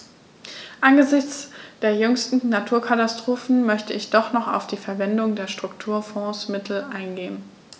Angesichts der jüngsten Naturkatastrophen möchte ich doch noch auf die Verwendung der Strukturfondsmittel eingehen.